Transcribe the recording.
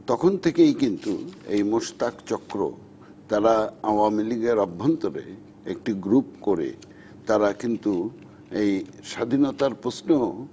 তখন থেকেই কিন্তু এই মোশতাক চক্র তারা আওয়ামী লীগের অভ্যন্তরে একটি গ্রুপ করে তারা কিন্তু এ স্বাধীনতার প্রশ্নও